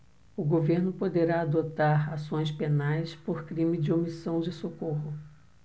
o governo poderá adotar ações penais por crime de omissão de socorro